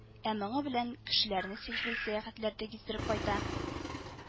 Ә моңы белән кешеләрне сихри сәяхәтләрдә гиздереп кайта